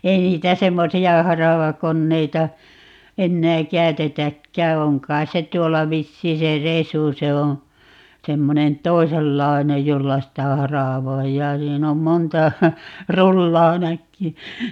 ei niitä semmoisia haravakoneita enää käytetäkään on kai se tuolla vissiin se resu se on semmoinen toisenlainen jolla sitä haravoidaan siinä on monta rullaa näkyy